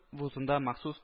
Вузында махсус